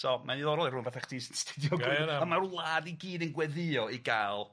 So mae'n ddiddorol i rywun fatha chdi sy'n studio ... a ma'r wlad i gyd yn gweddio i ga'l